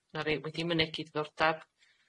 Ma' 'na rei wedi mynegi ddiddordab.